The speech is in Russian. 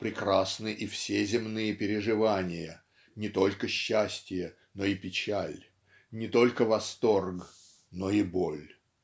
прекрасны и все земные переживания не только счастие но и печаль не только восторг но и боль".